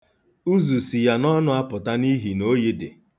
Uzu si ya n'ọnụ apụta n'ihi na oyi dị.